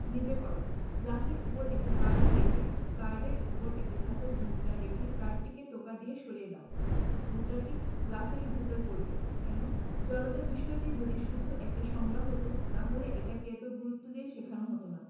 নিজে কর গ্লাসের উপর একটা কার্ড রেখে কার্ডের উপর একটা ধাতব মুদ্রা রেখে কার্ডটিকে টোকা দিয়ে সরিয়ে দাও মুদ্রাটি গ্লাসের ভেতর পড়বে কেন জড়তার বিষয়টি যদি শুধু একটা সংজ্ঞা হতো তাহলে এটাকে এত গুরুত্ব দিয়ে শেখানো হতো না